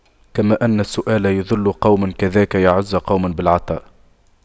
كما أن السؤال يُذِلُّ قوما كذاك يعز قوم بالعطاء